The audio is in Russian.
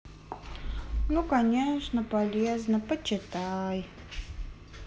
ну конечно полезно почитай